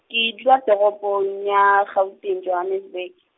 ke dula toropong ya, Gauteng Johannesburg.